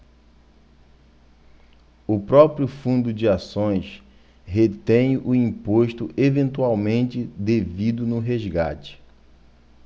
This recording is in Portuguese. o próprio fundo de ações retém o imposto eventualmente devido no resgate